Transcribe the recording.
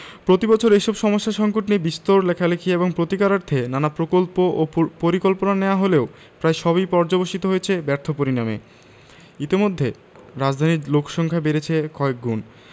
প্রতিবছর এসব সমস্যা সঙ্কট নিয়ে বিস্তর লেখালেখি এবং প্রতিকারার্থে নানা প্রকল্প ও পরিকল্পনা নেয়া হলেও প্রায় সবই পর্যবসিত হয়েছে ব্যর্থ পরিণামে ইতোমধ্যে রাজধানীর লোকসংখ্যা বেড়েছে কয়েকগুণ